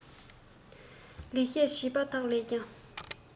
ལེགས བཤད བྱིས པ དག ལས ཀྱང